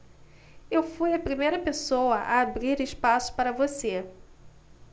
eu fui a primeira pessoa a abrir espaço para você